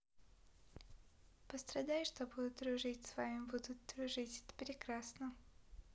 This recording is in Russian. пострадай что будут дружить с вами буду дружить это прекрасно